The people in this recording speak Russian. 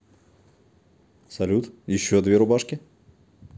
салют еще две рубашки